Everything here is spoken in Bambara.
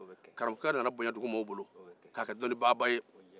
karamɔgɔkɛ nana bonya dugu maaw bolo k'a kɛ dɔnnibaaba